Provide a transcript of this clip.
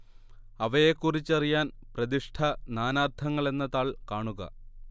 അവയെക്കുറിച്ചറിയാൻ പ്രതിഷ്ഠ നാനാർത്ഥങ്ങൾ എന്ന താൾ കാണുക